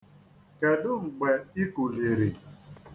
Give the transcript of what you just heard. Kedu mgbe i kuliri?